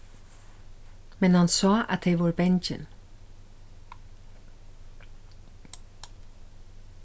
men hann sá at tey vóru bangin